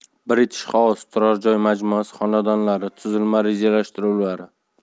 british house turar joy majmuasi xonadonlari tuzilma rejalashtiruvlari